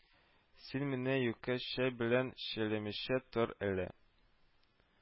Син мине юкә чөй белән чөйләмичә тор әле